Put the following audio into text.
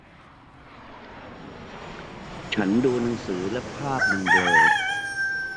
ฉันดูหนังสือแล้วภาพมันเบลอ